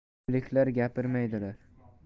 o'liklar gapirmaydilar